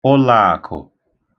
ụlaàkụ̀